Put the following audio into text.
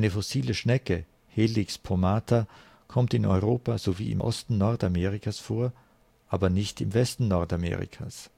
fossile Schnecke (Helix pomata) kommt in Europa sowie im Osten Nordamerikas vor, aber nicht im Westen Nordamerikas